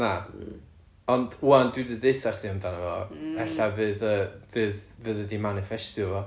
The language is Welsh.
na ond ŵan dwi 'di deitha chdi amdano fo ella fydd yy... fydd... fyddi di maniffestio fo.